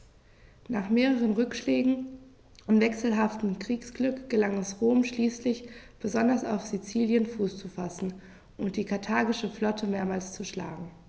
Nach mehreren Rückschlägen und wechselhaftem Kriegsglück gelang es Rom schließlich, besonders auf Sizilien Fuß zu fassen und die karthagische Flotte mehrmals zu schlagen.